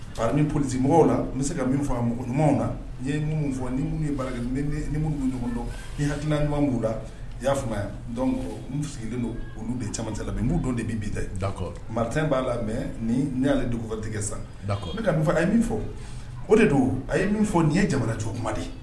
Fara ni polisi mɔgɔw la n bɛ se ka min fɔ a mɔgɔ ɲuman na n ye fɔ ni minnu ye baara kɛ minnu bɛ ɲɔgɔn dɔn ni hakilila ɲuman b'u la i y'a faamuya dɔn n sigilen don olu de camancɛ n' don de bɛ bi dakɔ mari b'a la mɛ ni nei y'ale dugu ka tigɛ san da ne ka min fɔ a ye min fɔ o de don a ye min fɔ nin ye jamanacogokuma de